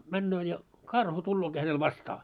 menee ja karhu tuleekin hänellä vastaan